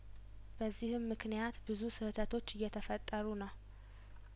በዚህምምክንያት ብዙ ስህተቶች እየተፈጠሩ ነው